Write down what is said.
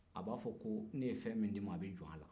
a b'a fɔ ko ne ye fɛn min d'e ma a bɛ jo a la